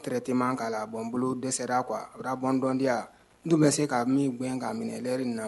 Traitement k'a la bon bolo dɛsɛra quoi a bara bon dɔ diyan n tun se ka mun gɛn ka minɛ l'heure in na